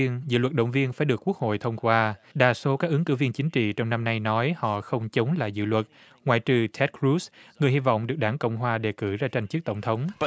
tiên dư luận động viên phải được quốc hội thông qua đa số các ứng cử viên chính trị trong năm nay nói họ không chống lại dự luật ngoại trừ tét gút người hy vọng được đảng cộng hòa đề cử ra tranh chưc tổng thống